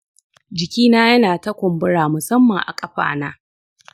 jikina yana ta kumbura musamman a ƙafa na